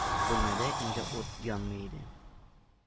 Бүлмәләрдә инде ут янмый иде